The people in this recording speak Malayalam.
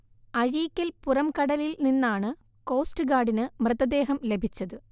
അഴീക്കൽ പുറംകടലിൽ നിന്നാണ് കോസ്റ്റ്ഗാർഡിന് മൃതദേഹം ലഭിച്ചത്